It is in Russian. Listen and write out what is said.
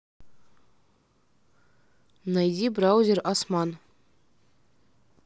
найти браузер осман